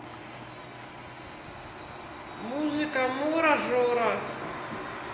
музыка мора жора